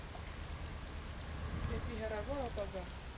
Դեպի հեռավոր ապագա։